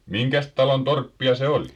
minkäs talon torppia se oli